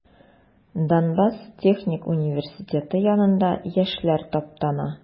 Донбасс техник университеты янында яшьләр таптана.